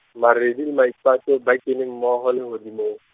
Maredi le Maipato ba kene mmoho lehodimong.